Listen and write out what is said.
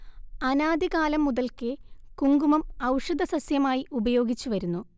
അനാദി കാലം മുതൽക്കേ കുങ്കുമം ഔഷധസസ്യമായി ഉപയോഗിച്ചുവരുന്നു